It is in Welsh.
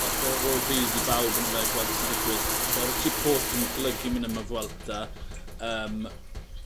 fath o rôl rhydd i bawb yno fe a gwel' be' sy'n digwydd. O' Richie Porte yn golygu myn' am y Vuelta yym